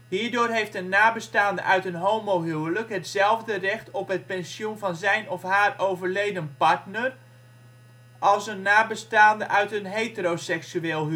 Hierdoor heeft een nabestaande uit een homohuwelijk hetzelfde recht op het pensioen van zijn of haar overleden partner als een nabestaande uit een heteroseksueel